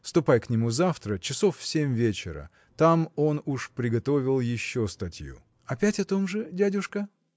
Ступай к нему завтра, часов в семь вечера там он уж приготовил еще статью. – Опять о том же, дядюшка?